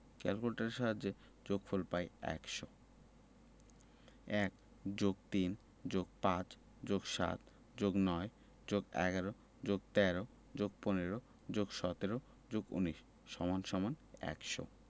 ক্যালকুলেটরের সাহায্যে যোগফল পাই ১০০ ১+৩+৫+৭+৯+১১+১৩+১৫+১৭+১৯=১০০